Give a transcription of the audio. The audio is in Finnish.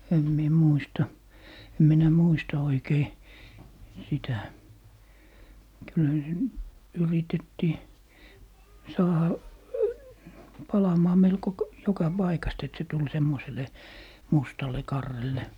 en minä muista en minä muista oikein sitä kyllähän se yritettiin saada palamaan melko - joka paikasta että se tuli semmoiselle mustalle karrelle